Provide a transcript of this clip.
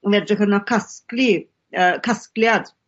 ma' edrych arno casglu yy casgliad